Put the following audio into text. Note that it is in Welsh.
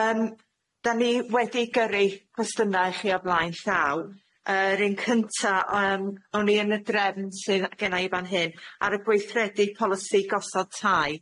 Yym dan ni wedi gyrru cwestiynau i chi o blaen llawn. Yr un cynta yym o'n i yn y drefn sydd genna i fan hyn ar y gweithredu polisi gosodd tai.